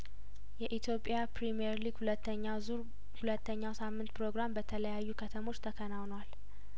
የኢትዮጵያ ፕሪምየር ሊግ ሁለተኛው ዙር ሁለተኛው ሳምንት ፕሮግራም በተለያዩ ከተሞች ተከናውኗል